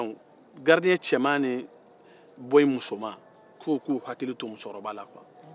ko garidiyɛn cɛman ni bɔyi mosaman k'u hakili to musokɔrɔba la kuwa